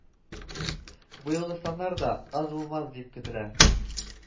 Быелгы саннар да аз булмас дип көтелә